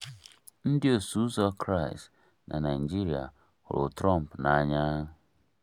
Ndị Osoụzọ Kraịstị na Naịjirịa hụrụ Trump n'anya.